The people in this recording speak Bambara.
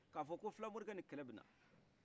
k' a fɔ ko fila mɔrikɛ ni kɛlɛ bina